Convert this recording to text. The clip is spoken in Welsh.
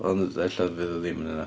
Ond ella fydd o ddim yn hynna.